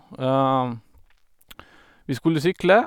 Vi skulle sykle.